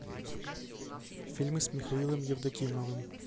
фильмы с михаилом евдокимовым